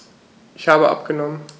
Ich habe abgenommen.